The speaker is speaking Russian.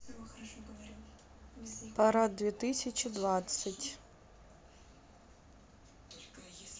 парад две тысячи двадцать